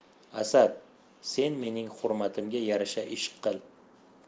asad sen mening hurmatimga yarasha ish qil